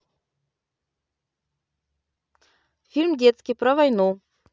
фильм детский про войну